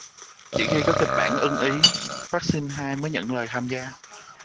chỉ khi có kịch bản ưng ý park shin hye mới nhận lời tham gia